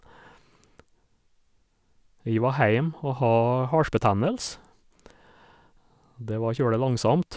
Jeg var heime og ha halsbetennelse, og det var kjøle langsomt.